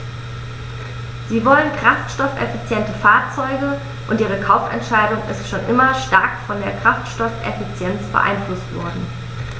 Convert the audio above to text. Sie wollen kraftstoffeffiziente Fahrzeuge, und ihre Kaufentscheidung ist schon immer stark von der Kraftstoffeffizienz beeinflusst worden.